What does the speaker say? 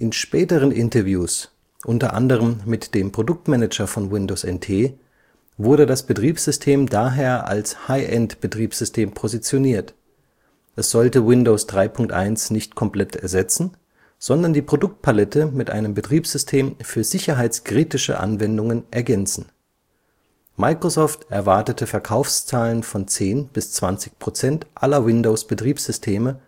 späteren Interviews, unter anderem mit dem Produktmanager von Windows NT, David Thacher, wurde das Betriebssystem daher als High-End-Betriebssystem positioniert; es sollte Windows 3.1 nicht komplett ersetzen, sondern die Produktpalette mit einem Betriebssystem für sicherheitskritische Anwendungen ergänzen. Microsoft erwartete Verkaufszahlen von 10 bis 20 Prozent aller Windows-Betriebssysteme